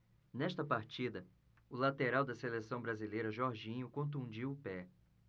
nesta partida o lateral da seleção brasileira jorginho contundiu o pé